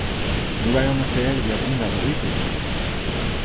nú var hon í ferð við at umvæla íbúðina